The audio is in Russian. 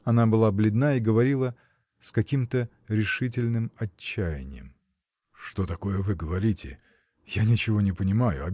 Она была бледна и говорила с каким-то решительным отчаянием. — Что такое вы говорите? Я ничего не понимаю.